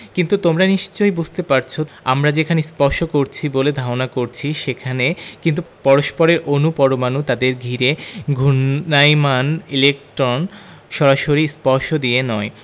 কিন্তু তোমরা নিশ্চয়ই বুঝতে পারছ আমরা যেখানে স্পর্শ করছি বলে ধারণা করছি সেখানে কিন্তু পরস্পরের অণু পরমাণু তাদের ঘিরে ঘূর্ণায়মান ইলেকট্রন সরাসরি স্পর্শ দিয়ে নয়